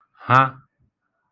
-ha